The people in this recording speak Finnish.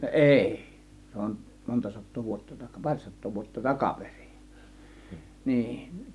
eIi se on monta sataa vuotta - pari sataa vuotta takaperin niin